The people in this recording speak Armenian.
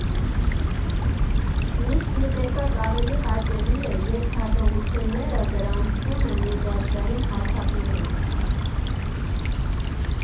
Միշտ մի տեսակ ավելի հաճելի է, երբ հաջողությունները գրանցվում են միջազգային հարթակներում։